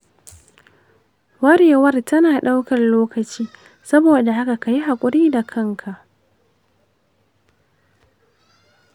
warewar tana ɗaukar lokaci, saboda haka ka yi haƙuri da kanka.